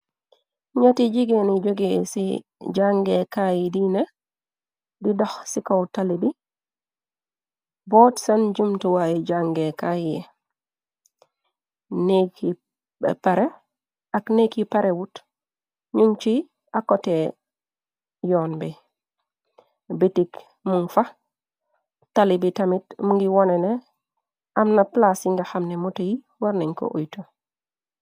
Njeti jigéen yu jogee ci jàngee kaay diina, di dox ci kaw tali bi, bot sehn jumtuwaay jangee kaay yii, nehgg yii beh pare ak nehgi parewut, nung ci arr koteh yon bi, bitik mung fa, tali bi tamit mungi woneh neh amna plass yi nga xamne motor yi warnen ko ohuytu.